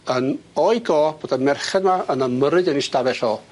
Yn o'i go bod y merchad 'ma yn ymyrryd yn ei stafell o